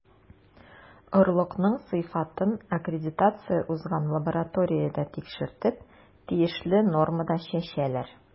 Орлыкның сыйфатын аккредитация узган лабораториядә тикшертеп, тиешле нормада чәчәләр.